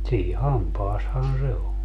siinä hampaassahan se on